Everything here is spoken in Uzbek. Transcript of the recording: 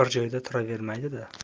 bir joyda turavermaydida